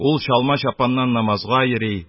Ул чалма-чапаннан намазга йөри.